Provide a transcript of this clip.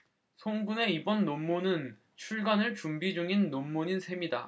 송 군의 이번 논문은 출간을 준비 중인 논문인 셈이다